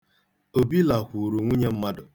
Obi lakwuru nwunye mmadụ.